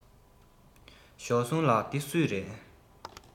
ཞའོ སུང ལགས འདི ཚོ སུའི རེད